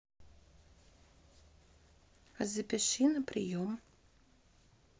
запиши на прием